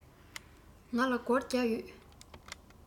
ང ལ སྒོར བརྒྱ ཡོད